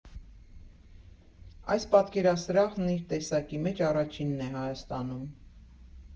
«Այս պատկերասրահն իր տեսակի մեջ առաջինն է Հայաստանում։